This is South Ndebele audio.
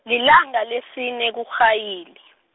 lilanga lesine, kuMrhayili.